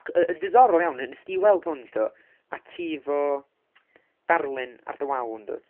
Ac y- yn ddiddorol iawn, nes di weld hwn do, a ti 'fo darlun ar dy wal yndwt.